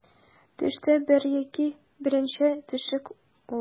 Төштә бер яки берничә төшчек була.